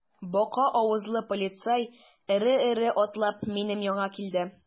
Бака авызлы полицай эре-эре атлап минем янга килде.